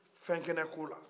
fɛn kɛnɛ ko la